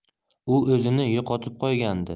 u o'zini yo'qotib qo'ygandi